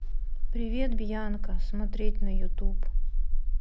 привет бьянка смотреть на ютуб